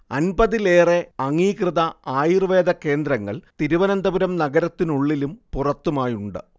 അൻപതിലേറെ അംഗീകൃത ആയുർവേദ കേന്ദ്രങ്ങൾ തിരുവനന്തപുരം നഗരത്തിനുള്ളിലും പുറത്തുമായുണ്ട്